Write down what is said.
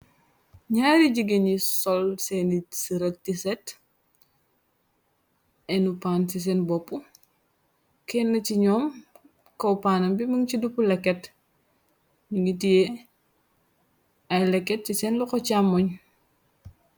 Nyaari jigéen nyi sol seeni ti set enu pan ci seen bopp kenn ci ñoom kawpaanam bi mëng ci duppu lekket yu ngi tiée ay leket ci seen la ko chàmmoñ.